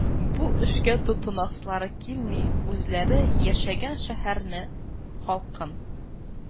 Бу эшкә тотынаслары килми, үзләре яшәгән шәһәрне, халкын